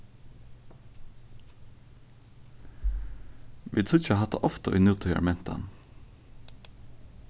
vit síggja hatta ofta í nútíðarmentan